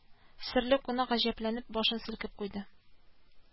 Серле кунак гаҗәпләнеп башын селкеп куйды